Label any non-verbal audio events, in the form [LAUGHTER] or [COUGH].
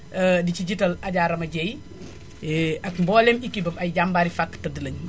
[HESITATION] di ci jiital Adja Rama Dieye [HESITATION] ak mbooleem ekibam ay jàmbari fàq tëdd lañ